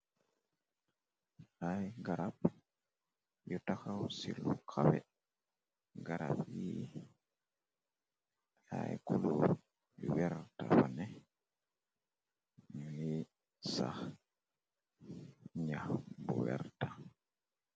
Ay garab yu taxaw ci rooka bi, garab yi ay kulóor yu werta fa né. Ñuy sax ñyax bu werta.